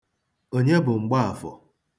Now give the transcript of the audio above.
Onye bụ Mgbaafọ?